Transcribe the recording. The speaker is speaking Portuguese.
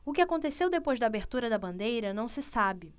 o que aconteceu depois da abertura da bandeira não se sabe